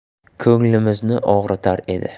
ko'nglimizni og'ritar edi